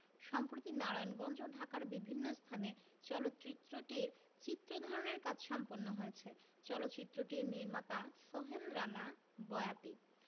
সম্প্রতি নারায়ণগঞ্জ ও ঢাকার বিভিন্ন স্থানে চলচ্চিত্রটির চিত্র ধারণের কাজ সম্পন্ন হয়েছে চলচ্চিত্রটির নির্মাতা সোহেল রানা বয়াতি